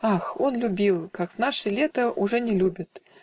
Ах, он любил, как в наши лета Уже не любят